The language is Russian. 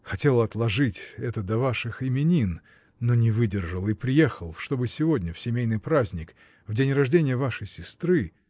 Хотел отложить это до ваших именин, но не выдержал и приехал, чтобы сегодня в семейный праздник, в день рождения вашей сестры.